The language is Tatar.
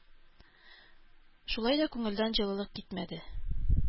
Шулай да күңелдән җылылык китмәде.